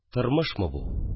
Тормышмы бу